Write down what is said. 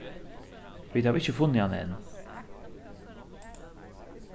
vit hava ikki funnið hann enn